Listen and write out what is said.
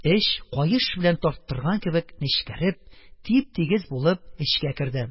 Эч, каеш белән тарттырган кебек, нечкәреп, тип-тигез булып эчкә керде.